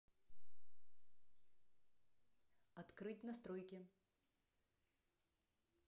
открыть настройки